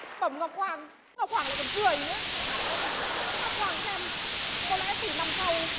bẩm ngọc hoàng ngọc hoàng lại còn cười nữa ngọc hoàng xem có lẽ từ năm sau